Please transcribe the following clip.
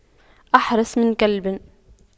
أحرس من كلب